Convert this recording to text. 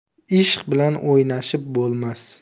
ishq bilan o'ynashib bo'lmas